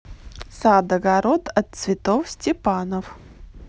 садогород от цветов степанов